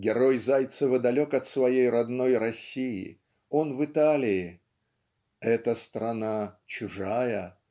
Герой Зайцева далек от своей родной России, он в Италии "эта страна чужая